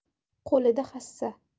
qo'lida hassa